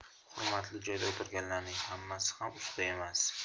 hurmatli joyda o'tirganlarning hammasi ham usta emas